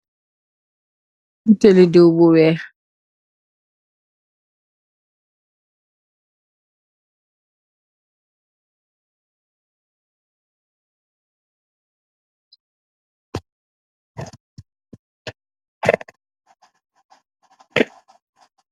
Bottèli diw bu wèèx.